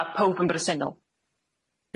Na powb yn bresennol.